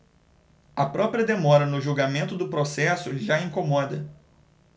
a própria demora no julgamento do processo já incomoda